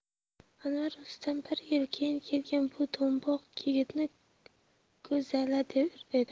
anvar o'zidan bir yil keyin kelgan bu do'mboq yigitni go'sala der edi